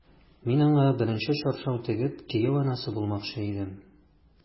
Мин аңа беренче чаршау тегеп, кияү анасы булмакчы идем...